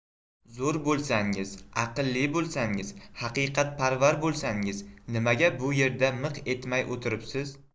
zo'r bo'lsangiz aqlli bo'lsangiz haqiqatparvar bo'lsangiz nimaga bu yerda miq etmay o'tiribsiz